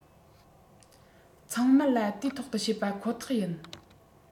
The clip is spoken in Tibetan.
ཚང མར ལ དུས ཐོག ཏུ བཤད པ ཁོ ཐག ཡིན